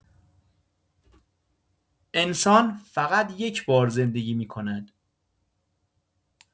انسان فقط یک‌بار زندگی می‌کند.